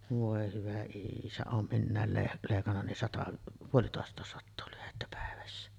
voi hyvä isä olen minä - leikannut niin sata puolitoista sataa lyhdettä päivässä